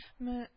Мө